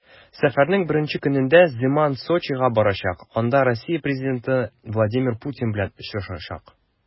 Сәфәренең беренче көнендә Земан Сочига барачак, анда Россия президенты Владимир Путин белән очрашачак.